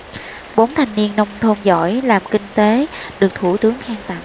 bốn thanh niên nông thôn giỏi làm kinh tế được thủ tướng khen tặng